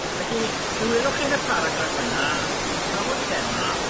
Felly fe welwch chi yn y paragraff yna 'wi'n trafod thema